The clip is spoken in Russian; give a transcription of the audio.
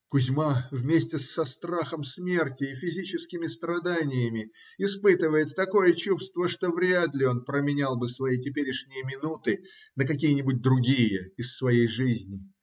Кузьма, вместе с страхом смерти и физическими страданиями, испытывает такое чувство, что вряд ли он променял бы свои теперешние минуты на какие-нибудь другие из своей жизни.